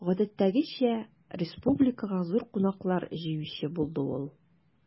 Гадәттәгечә, республикага зур кунаклар җыючы булды ул.